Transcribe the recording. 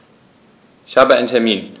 Ich habe einen Termin.